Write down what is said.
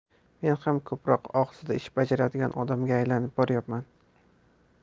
men ham ko'proq og'zida ish bajaradigan odamga aylanib boryapman